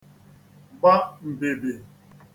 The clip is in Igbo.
-gba mbìbì